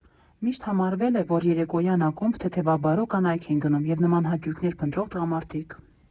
Միշտ համարվել է, որ երեկոյան ակումբ թեթևաբարո կանայք են գնում, և նման հաճույքներ փնտրող տղամարդիկ։